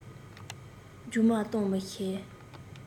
རྒྱུགས མ གཏོགས མི ཤེས